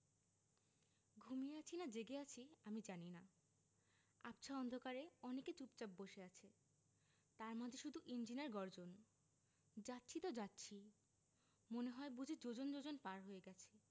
ঘুমিয়ে আছি না জেগে আছি আমি জানি না আবছা অন্ধকারে অনেকে চুপচাপ বসে আছে তার মাঝে শুধু ইঞ্জিনের গর্জন যাচ্ছি তো যাচ্ছি মনে হয় বুঝি যোজন যোজন পার হয়ে গেছে